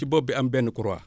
ci bopp bi am benn croix